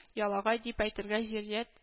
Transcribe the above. Ялагай дип әйтергә җөрьәт